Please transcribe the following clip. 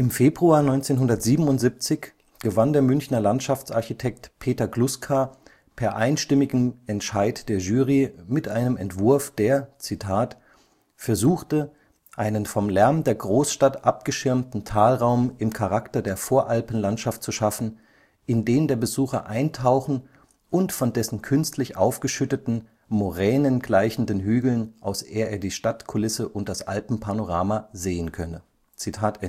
Februar 1977 gewann der Münchner Landschaftsarchitekt Peter Kluska per einstimmigem Entscheid der Jury mit einem Entwurf, der „ versuchte, […] einen vom Lärm der Großstadt abgeschirmten Talraum im Charakter der Voralpenlandschaft zu schaffen, in den der Besucher eintauchen und von dessen künstlich aufgeschütteten, Moränen gleichenden Hügeln aus er die Stadtkulisse und das Alpenpanorama sehen könne. “Nach